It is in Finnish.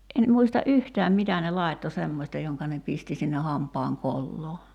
en muista yhtään mitä ne laittoi semmoista jonka ne pisti sinne hampaan koloon